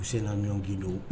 U selen la ɲɔgɔn g don